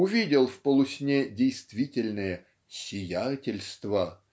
увидел в полусне действительное "сиятельство"